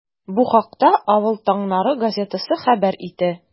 Бу хакта “Авыл таңнары” газетасы хәбәр итә.